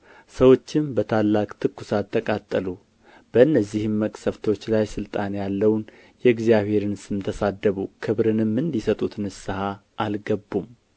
ሰዎችም በታላቅ ትኵሳት ተቃጠሉ በነዚህም መቅሠፍቶች ላይ ሥልጣን ያለውን የእግዚአብሔርን ስም ተሳደቡ ክብርንም እንዲሰጡት ንስሐ አልገቡም